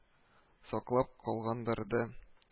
Саклап калгандыр да